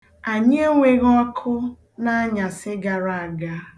Anyị enweghị ọkụ n'anyasị gara aga.